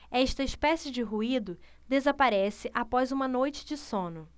esta espécie de ruído desaparece após uma noite de sono